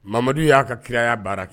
Mamadu y'a ka kiraya baara kɛ